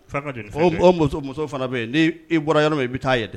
Fana bɛ yen n bɔra yɔrɔ ye i bɛ taa ye dɛ